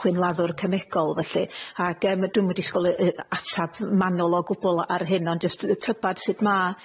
chwynladdwr cemegol felly. Ag yym dwi'm yn disgwl yy yy atab manwl o gwbwl ar hyn ond jyst yy tybad sut ma'